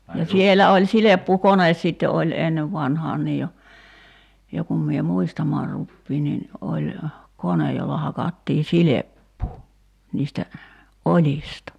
ja siellä oli silppukone sitten oli ennen vanhaan niin jo jo kun minä muistamaan rupean niin oli kone jolla hakattiin silppua niistä oljista